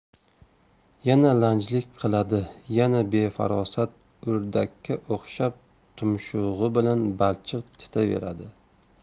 yana lanjlik qiladi yana befarosat o'rdakka o'xshab tumshug'i bilan balchiq titaveradi